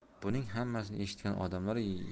buning hammasini eshitgan odamlar yovdan